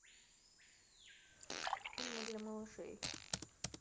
фильмы для малышей